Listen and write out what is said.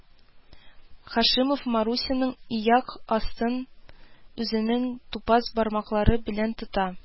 Һашимов Марусяның ияк астын үзенең тупас бармаклары белән тота